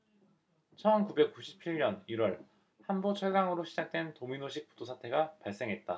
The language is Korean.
천 구백 구십 칠 년 일 월 한보 철강으로 시작된 도미노식 부도 사태가 발생했다